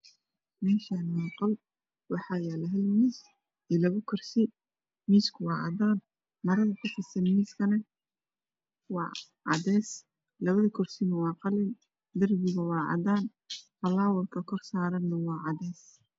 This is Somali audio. Meshaani waa qol waxaa yala hal miis iyo hal kursi miiska wa cadaan marada ku fidsana waa cades labada kursine waa qalin darpiga wa casaan falaawarka korsarana waa cadees